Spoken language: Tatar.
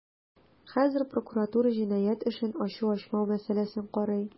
Хәзер прокуратура җинаять эшен ачу-ачмау мәсьәләсен карый.